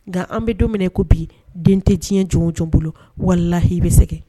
Nka an bɛ don ko bi den tɛ ti jɔn jɔn bolo walahi bɛ sɛgɛ